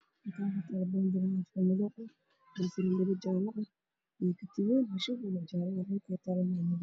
Meesha waxa yaalla caagad yar oo biyo ka buuxaan oo midabkeedu yahay buluug iyo jaale